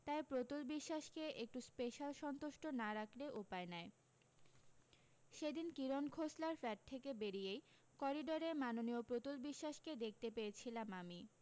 তাই প্রতুল বিশ্বাসকে একটু স্পেশাল সন্তুষ্ট না রাখলে উপায় নাই সেদিন কিরণ খোসলার ফ্ল্যাট থেকে বেরিয়েই করিডরে মাননীয় প্রতুল বিশ্বাসকে দেখতে পেয়েছিলাম আমি